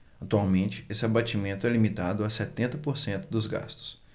atualmente esse abatimento é limitado a setenta por cento dos gastos